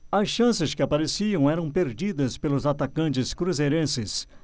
as chances que apareciam eram perdidas pelos atacantes cruzeirenses